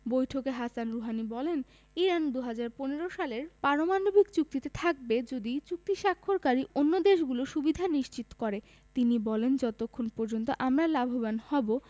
বৈঠকে Hassan Rouhani বলেন Iran ২০১৫ সালের পারমাণবিক চুক্তিতে থাকবে যদি চুক্তি স্বাক্ষরকারী অন্য দেশগুলো সুবিধা নিশ্চিত করে তিনি বলেন যতক্ষণ পর্যন্ত আমরা লাভবান হব